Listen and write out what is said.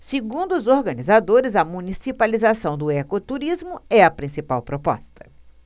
segundo os organizadores a municipalização do ecoturismo é a principal proposta